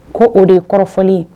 Ko o de ye kɔrɔfɔ